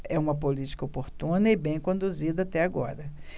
é uma política oportuna e bem conduzida até agora